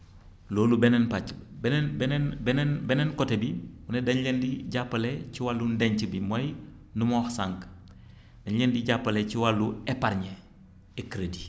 loolu beneen pàcc la beneen beneen beneen beneen côté bi mu ne dañu leen di jàppale ci wàllum ndenc bi mooy lu ma wax sànq dañu leen di jàppale ci wàllu épargne et crédit